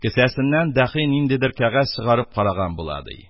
Кесәсеннән дәхи ниндидер кәгазь чыгарып караган була, ди.